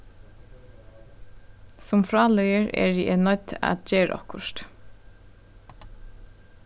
sum frá líður eri eg noydd at gera okkurt